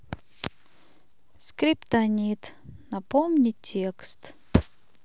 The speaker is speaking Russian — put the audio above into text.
скриптонит напомни текст